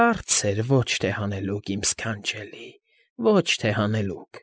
Հարց֊ց֊ց էր, ոչ թե հանելուկ, իմ ս֊ս֊սքանչելի, ոչ թե հանելուկ։ ֊